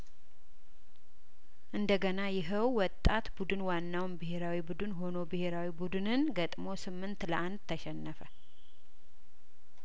እንደገና ይኸው ወጣት ቡድን ዋናውን ብሄራዊ ቡድን ሆኖ ብሄራዊ ቡድንን ገጥሞ ስምንት ለአንድ ተሸነፈ